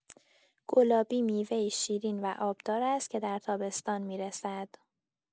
گلابی میوه‌ای شیرین و آبدار است که در تابستان می‌رسد.